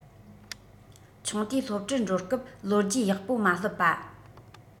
ཆུང དུས སློབ གྲྭར འགྲོ སྐབས ལོ རྒྱུས ཡག པོ མ སློབ པ